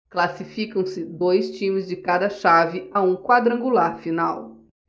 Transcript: classificam-se dois times de cada chave a um quadrangular final